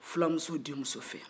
filamuso denmuso fɛ